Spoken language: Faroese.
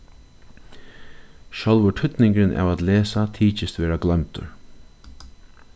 sjálvur týdningurin av at lesa tykist verða gloymdur